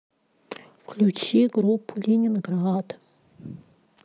включи группу ленинград